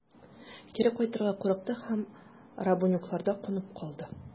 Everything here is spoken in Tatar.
Кире кайтырга курыкты һәм Рубанюкларда кунып калды.